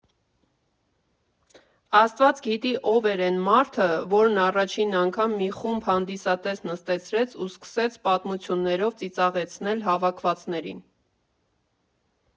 Աստված գիտի՝ ով էր էն մարդը, որն առաջին անգամ մի խումբ հանդիսատես նստեցրեց ու սկսեց պատմություններով ծիծաղեցնել հավաքվածներին.